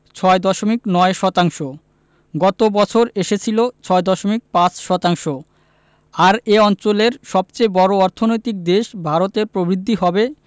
৬.৯ শতাংশ গত বছর এসেছিল ৬.৫ শতাংশ আর এ অঞ্চলের সবচেয়ে বড় অর্থনৈতিক দেশ ভারতের প্রবৃদ্ধি হবে